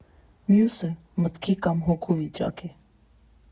Մյուսը՝ մտքի կամ հոգու վիճակ է։